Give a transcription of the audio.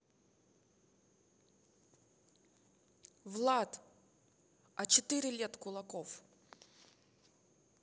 влад а четыре лет кулаков